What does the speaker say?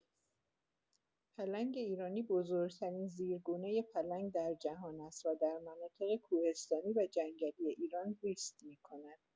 پلنگ ایرانی بزرگ‌ترین زیرگونه پلنگ در جهان است و در مناطق کوهستانی و جنگلی ایران زیست می‌کند.